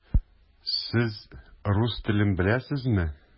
Сез рус телен беләсезме?